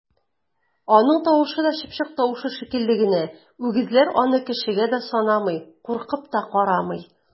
Аның тавышы да чыпчык тавышы шикелле генә, үгезләр аны кешегә дә санамый, куркып та карамый!